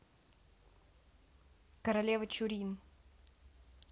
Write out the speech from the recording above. королева чурин